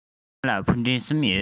ང ལ ཕུ འདྲེན གསུམ ཡོད